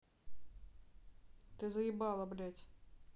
ты заебала блядь